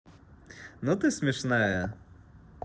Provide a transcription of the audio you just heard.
ну ты смешная